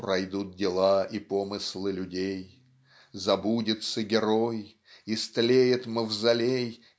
пройдут дела и помыслы людей Забудется герой истлеет мавзолей